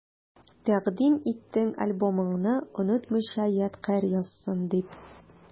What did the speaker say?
Тәкъдим иттең альбомыңны, онытмыйча ядкарь язсын дип.